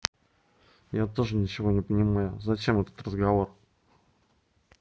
я тоже ничего не понимаю зачем этот разговор